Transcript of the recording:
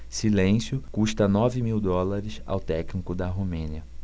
silêncio custa nove mil dólares ao técnico da romênia